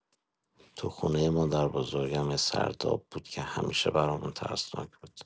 تو خونۀ مادربزرگم یه سرداب بود که همیشه برامون ترسناک بود.